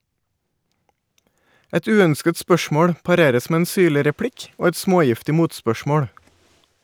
Et uønsket spørsmål pareres med en syrlig replikk og et smågiftig motspørsmål.